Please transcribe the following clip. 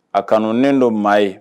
A kanuen dɔ maa ye